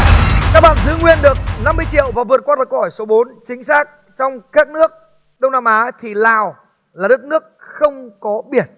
các bạn giữ nguyên được năm mươi triệu và vượt qua được câu hỏi số bốn chính xác trong các nước đông nam á thì lào là đất nước không có biển